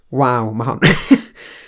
Waw ma' ho- {chwerthin}